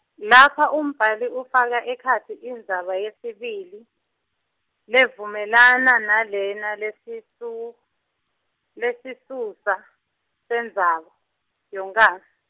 lapha umbhali ufaka ekhatsi indzaba yesibili levumelana nalena lesisu lesisusa sendzaba yonkhana.